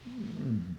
mm